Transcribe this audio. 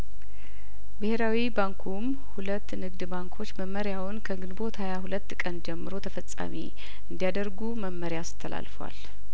ብሄራዊ ባንኩም ሁለት ንግድ ባንኮች መመሪያውን ከግንቦት ሀያ ሁለት ቀን ጀምሮ ተፈጻሚ እንዲያደርጉ መመሪያ አስተላልፏል